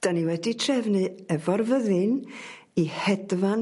'Dyn ni wedi trefnu efo'r fyddin i hedfan...